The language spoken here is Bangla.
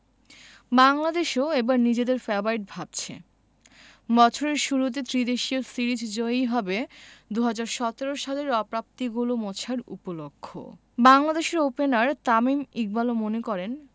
বাংলাদেশও এবার নিজেদের ফেবারিট ভাবছে বছরের শুরুতে ত্রিদেশীয় সিরিজ জয়ই হবে ২০১৭ সালের অপ্রাপ্তিগুলো মোছার উপলক্ষও বাংলাদেশের ওপেনার তামিম ইকবালও মনে করেন